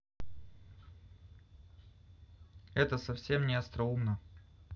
это совсем не остроумно